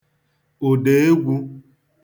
ụ̀dà egwū